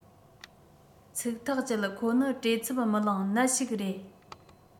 ཚིག ཐག བཅད ཁོ ནི བྲེལ འཚུབ མི ལངས ནད ཞིག རེད